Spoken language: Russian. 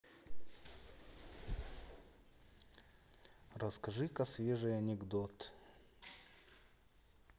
расскажи ка свежий анекдот